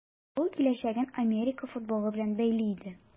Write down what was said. Ул киләчәген Америка футболы белән бәйли иде.